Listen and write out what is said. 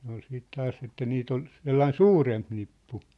ne oli sitten taas että niitä oli sellainen suurempi nippu